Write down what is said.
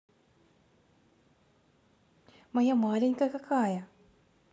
моя маленькая какая